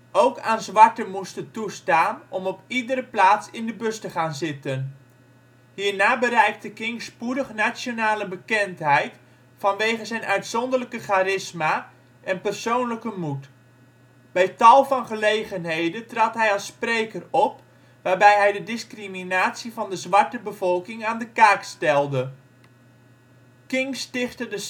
ook aan zwarten moesten toestaan om op iedere plaats in de bus te gaan zitten. Hierna bereikte King spoedig nationale bekendheid vanwege zijn uitzonderlijke charisma en persoonlijke moed. Bij tal van gelegenheden trad hij als spreker op, waarbij hij de discriminatie van de zwarte bevolking aan de kaak stelde. King stichtte de